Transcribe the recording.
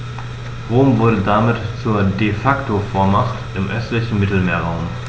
Rom wurde damit zur ‚De-Facto-Vormacht‘ im östlichen Mittelmeerraum.